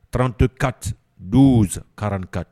Tranto kati don karankati